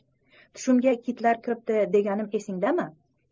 tushimga kitlar kiripti deganim esingdami